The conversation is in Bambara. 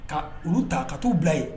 Ka olu ta ka tu bila yen.